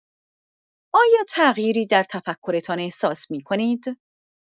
آیا تغییری در تفکرتان احساس می‌کنید؟